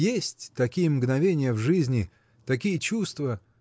Есть такие мгновения в жизни, такие чувства.